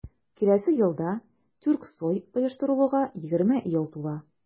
Киләсе елда Тюрксой оештырылуга 20 ел тула.